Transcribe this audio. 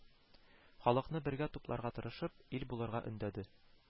Халыкны бергә тупларга тырышып, ил булырга өндәде